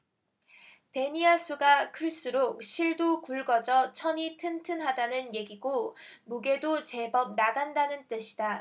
데니아 수가 클수록 실도 굵어져 천이 튼튼하다는 얘기고 무게도 제법 나간다는 뜻이다